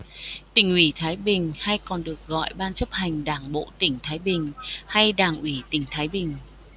tỉnh ủy thái bình hay còn được gọi ban chấp hành đảng bộ tỉnh thái bình hay đảng ủy tỉnh thái bình